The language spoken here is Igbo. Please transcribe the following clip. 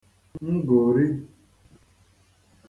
ngòri